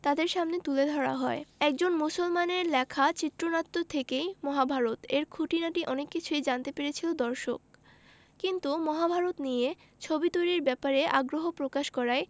তাঁদের সামনে তুলে ধরা হয় একজন মুসলমানের লেখা চিত্রনাট্য থেকেই মহাভারত এর খুঁটিনাটি অনেক কিছু জানতে পেরেছিল দর্শক কিন্তু মহাভারত নিয়ে ছবি তৈরির ব্যাপারে আগ্রহ প্রকাশ করায়